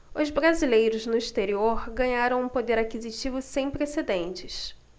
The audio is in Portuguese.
os brasileiros no exterior ganharam um poder aquisitivo sem precedentes